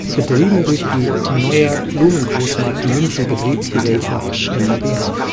betrieben durch die Neuer Blumengroßmarkt München Betriebsgesellschaft mbH